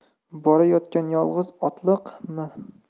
borayotgan yolg'iz otliq m